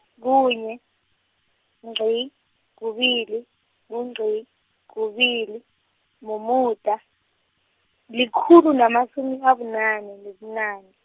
kunye, ngqi, kubili, ngungqi, kubili, mumuda, likhulu namasumi abunane nebunane.